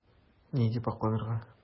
Ни дип акланырга?